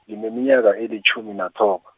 ngineminyaka elitjhumi nathoba.